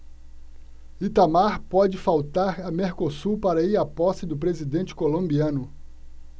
itamar pode faltar a mercosul para ir à posse do presidente colombiano